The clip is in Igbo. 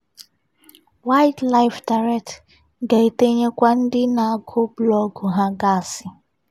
WildlifeDirect ga-etenyekwa ndị na-agụ blọọgụ ha gasị.